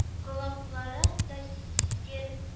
Колаклары да сизгер